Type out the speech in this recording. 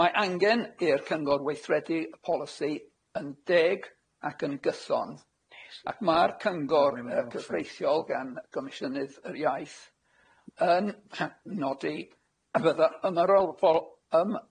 Mae angen i'r Cyngor weithredu y polisi yn deg ac yn gyson, ac ma'r cyngor cyfreithiol gan Gomisiynydd yr Iaith yn hy- nodi a fydda ymyrrol fol- ym- ym-